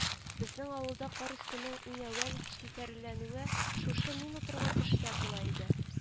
Безнең авылда кар өстенең иң әүвәл челтәрләнүе шушы мин утырган төштә була иде